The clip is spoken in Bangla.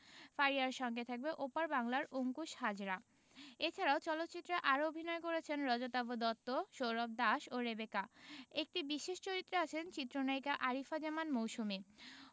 ফারিয়ার সঙ্গে থাকবেন ওপার বাংলার অংকুশ হাজরা এছাড়াও চলচ্চিত্রে আরও অভিনয় করেছেন রজতাভ দত্ত সৌরভ দাস ও রেবেকা একটি বিশেষ চরিত্রে আছেন চিত্রনায়িকা আরিফা জামান মৌসুমী